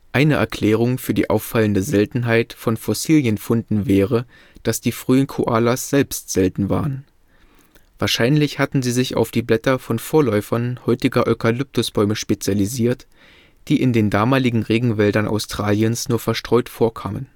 Eine Erklärung für die auffallende Seltenheit von Fossilienfunden wäre, dass die frühen Koalas selbst selten waren. Wahrscheinlich hatten sie sich auf die Blätter von Vorläufern heutiger Eukalyptusbäume spezialisiert, die in den damaligen Regenwäldern Australiens nur verstreut vorkamen